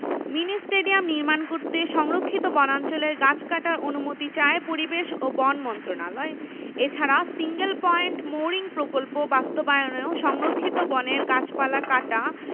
mini stadium নির্মাণ করতে সংরক্ষিত বনাঞ্চলের গাছ কাটার অনুমতি চায় পরিবেশ ও বন মন্ত্রণালয় এছাড়া সিঙ্গেল পয়েন্ট মোরিং প্রকল্প বাস্তবায়নেও সংরক্ষিত বনের গাছপালা কাটা